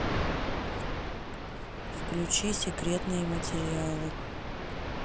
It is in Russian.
включи секретные материалы